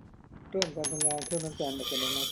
เริ่มการทำงานเครื่องล้างจานอัตโนมัติ